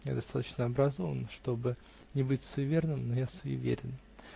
(Я достаточно образован, чтоб не быть суеверным, но я суеверен).